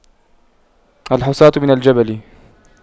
الحصاة من الجبل